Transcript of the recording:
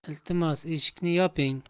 iltimos eshikni yoping